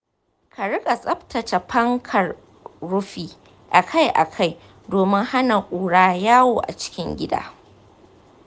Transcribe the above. ka riƙa tsabtace pankar rufi akai-akai domin hana ƙura yawo a cikin gida.